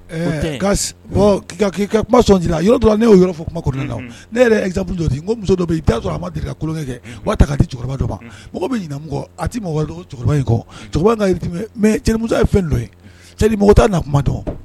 Kasi k'i ka kuma sɔn jila yɔrɔ ne y'o yɔrɔ fɔ kuma kɔnɔna la ne yɛrɛ exemple dɔ di n ko muso dɔ bɛ ye a man deli kulonkɛ kɛ u b'a ta ka cɛkɔrɔba dɔ ma mɔgɔ bɛ ɲina min kɔ a tɛ mɔgɔwɛrɛ dɔn cɛkɔrɔba in kɔ cɛkɔrɔba in ka rythme mais cɛnimusoya ye fɛn dɔ ye mɔgɔ t'a na tuma dɔn